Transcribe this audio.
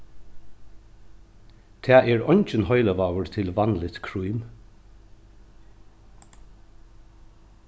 tað er eingin heilivágur til vanligt krím